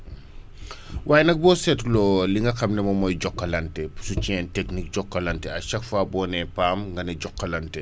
waaye nag boo seetloo li nga xam ne moom mooy Jokalante suñu technique Jokalante à chaque fois boo nee PAM nga ne Jokalante